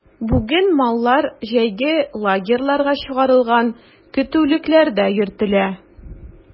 Бүген маллар җәйге лагерьларга чыгарылган, көтүлекләрдә йөртелә.